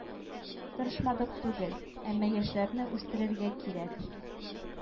Тырышмадык түгел. Әмма яшьләрне үстерергә кирәк.